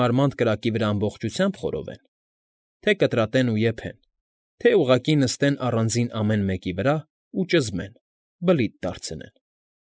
Մարմանդ կրակի վրա ամբողջությամբ խորովեն, թե կտրատեն ու եփեն, թե ուղղակի նստեն առանձին ամեն մեկի վրա ու ճզմեն, բլիթ դարձնեն։